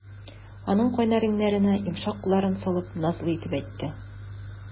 Аның кайнар иңнәренә йомшак кулларын салып, назлы итеп әйтте.